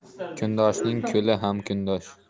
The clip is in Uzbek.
kundoshning kuli ham kundosh